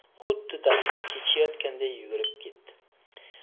xuddi darsdan kechikayotganday yugurib ketdi